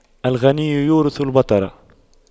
الغنى يورث البطر